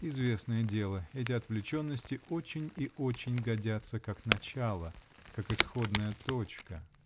Известное дело: эти отвлеченности очень и очень годятся как начало. как исходная точка.